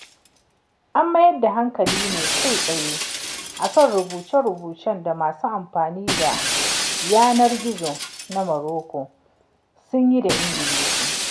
An mayar da hankali ne kai-tsaye a kan rubuce-rubucen da masu amfani da yanar gizo na Morocco suka yi da Ingilishi.